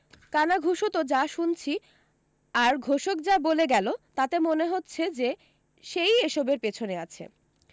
কানাঘুষোত যা শুনছি আর ঘোষক যা বলে গেল তাতে মনে হচ্ছে যে সেই এসবের পেছনে আছে